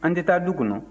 an tɛ taa du kɔnɔ